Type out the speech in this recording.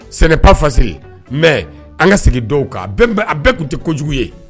Sɛnɛ pa fase mɛ an ka segin dɔw kan a bɛɛ tun tɛ jugu ye